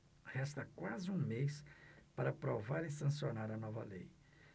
resta quase um mês para aprovar e sancionar a nova lei